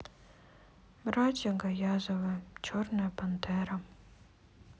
братья гаязовы черная пантера